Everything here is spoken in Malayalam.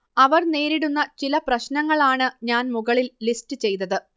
അവർ നേരിടുന്ന ചില പ്രശ്നങ്ങൾ ആണ് ഞാൻ മുകളിൽ ലിസ്റ്റ് ചെയ്തത്